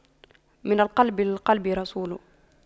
من القلب للقلب رسول